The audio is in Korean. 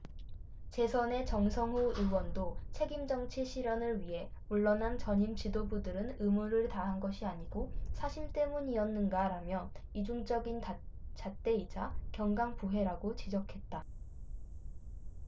재선의 정성호 의원도 책임정치 실현을 위해 물러난 전임 지도부들은 의무를 다한 것이 아니고 사심 때문이었는가라며 이중적 잣대이자 견강부회라고 지적했다